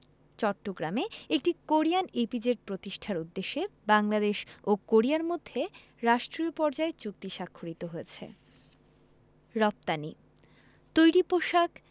চট্টগ্রামে একটি Korean EPZ প্রতিষ্ঠার উদ্দেশ্যে বাংলাদেশ ও কোরিয়ার মধ্যে রাষ্ট্রীয় পর্যায়ে চুক্তি স্বাক্ষরিত হয়েছে রপ্তানি তৈরি পোশাক